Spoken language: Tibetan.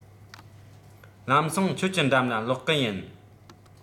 ལམ སེང ཁྱེད ཀྱི འགྲམ ལ ལོག གི ཡིན